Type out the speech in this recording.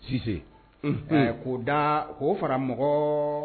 Sisanse ɛɛ ko da k'o fara mɔgɔ